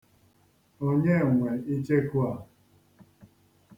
Onye nwe icheku a?